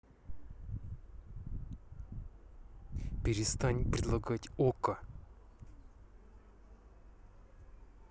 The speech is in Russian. перестань предлагать okko